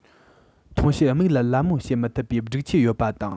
མཐོང བྱེད མིག ལ ལད མོ བྱེད མི ཐུབ པའི སྒྲིག ཆས ཡོད པ དང